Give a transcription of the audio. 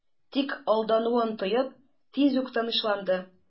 Тик алдануын тоеп, тиз үк тынычланды...